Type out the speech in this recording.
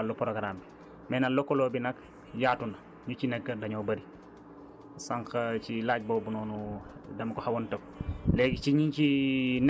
loolu mooy idée bi ci wàllu programme bi mais nag lëkkaloo bi nag yaatu na ñi ci nekk dañoo bëri sànq ci laaj boobu noonu dama ko xawoon tëb